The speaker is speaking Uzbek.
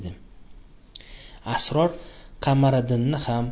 sror qamariddinni xam